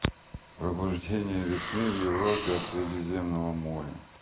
пробуждение весны в европе от средиземного моря